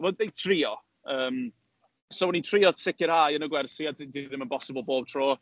Wel, neu drio. Yym. So o'n i'n trio sicrhau yn y gwersi, a 'di 'di hyn ddim yn bosib bob tro...